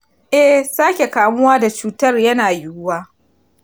eh, sake kamuwa da cutar yana yiwuwa